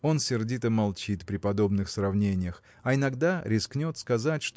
Он сердито молчит при подобных сравнениях а иногда рискнет сказать